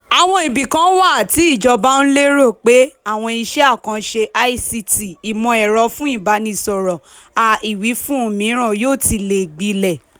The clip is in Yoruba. Àwọn ibìkan wà, tí ìjọba ń lérò, pé àwọn iṣẹ́ àkànṣe ICT (Ìmọ̀-ẹ̀rọ fún Ìbánisọ̀rọ̀ a Ìwífún) mìíràn yóò ti le gbilẹ̀.